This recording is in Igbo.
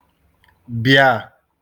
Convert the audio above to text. bị̀à